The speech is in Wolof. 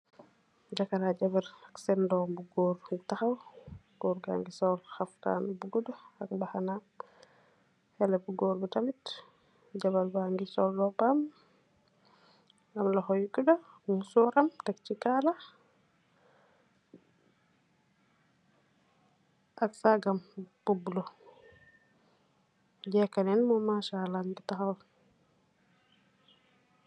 Jekerr ak jabarr ak sen dom bu goor bu takhaw, goor gangi sol khaftaan bu gudu ak mbahanam, halleh bu goor bi tamit jabarr bangi sol robbam, am lokho yu guda, musooram, tek si kaala ak saagam bu bulah, jekaneen mom mashallah nyungi takhaw.